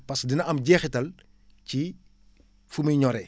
parce que dina am jeexital ci fu muy ñoree